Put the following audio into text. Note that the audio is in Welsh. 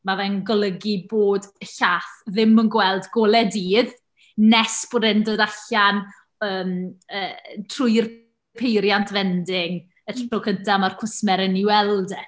ma' fe'n golygu bod y llaeth ddim yn gweld golau dydd nes bod e'n dod allan yym yy trwy'r peiriant vending y tro cynta mae'r cwsmer yn ei weld e.